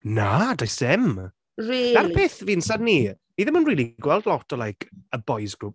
Na, does dim... Really... 'Na'r peth fi'n synnu. Fi ddim yn really gweld lot o like, y boys' group.